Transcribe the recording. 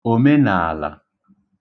òmenààlà